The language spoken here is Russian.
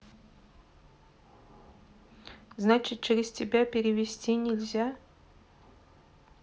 значит через тебя перевести нельзя